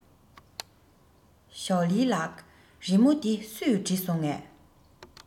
ཞོའོ ལིའི ལགས རི མོ འདི སུས བྲིས སོང ངས